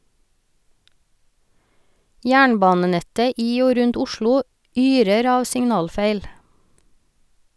Jernbanenettet i og rundt Oslo yrer av signalfeil.